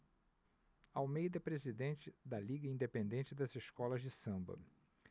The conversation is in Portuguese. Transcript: almeida é presidente da liga independente das escolas de samba